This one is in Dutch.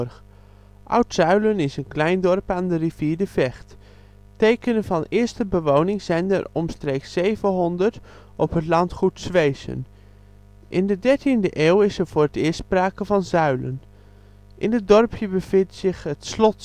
Oud Zuilen is een klein dorp aan de rivier de Vecht. Tekenen van eerste bewoning zijn er omstreeks 700 op het landgoed Swesen. In de 13e eeuw is er voor het eerst sprake van Zuilen. In het dorpje bevindt zich het Slot